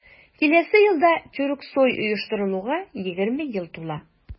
Киләсе елда Тюрксой оештырылуга 20 ел тула.